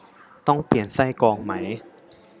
ต้องเปลี่ยนไส้กรองไหม